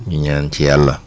ñu ñaan ci yàlla